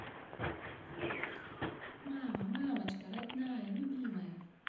мама мамочка родная любимая